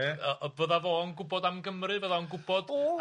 yy yy fydda fo'n gwbod am Gymru fydda o'n gwbod am